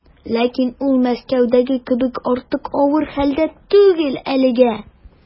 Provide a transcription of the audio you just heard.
Ләкин ул Мәскәүдәге кебек артык авыр хәлдә түгел әлегә.